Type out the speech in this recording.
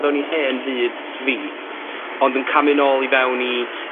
fewn i hen fyd fi, ond yn camu nôl i fewn i